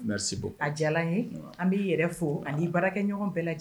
An b'i yɛrɛ fo ani baarakɛ ɲɔgɔn bɛɛ